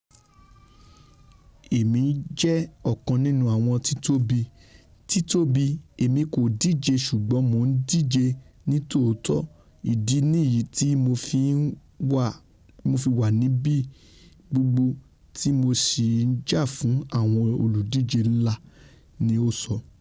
Èyí jẹ́ ọ̀kan nínú àwọn títóbi, títóbi-- Èmi kò díje ṣùgbọ́n Mo ńdíje nítòótọ ìdí nìyí tí Mo fi ńwa níbi gbogbo tí mo sì ńjà fún àwọn olùdíje ńlá,'' ni ó sọ.